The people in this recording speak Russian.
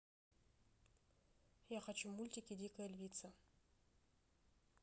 я хочу мультики дикая львица